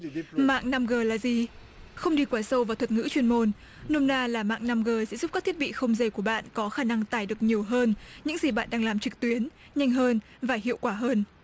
mạng năm gờ là gì không đi quá sâu và thuật ngữ chuyên môn nôm na là mạng năm gờ sẽ giúp các thiết bị không dây của bạn có khả năng tài được nhiều hơn những gì bạn đang làm trực tuyến nhanh hơn và hiệu quả hơn